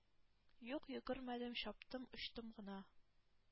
Юк, йөгермәдем, чаптым, очтым гына.